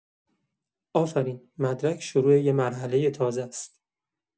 آفرین، مدرک شروع یه مرحله تازه‌ست.